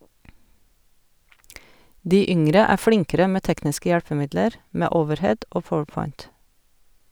De yngre er flinkere med tekniske hjelpemidler, med overhead og powerpoint.